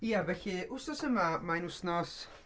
Ie felly wsos yma mae'n wsnos...